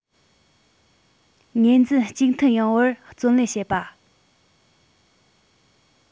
ངོས འཛིན གཅིག མཐུན ཡོང བར བརྩོན ལེན བྱེད པ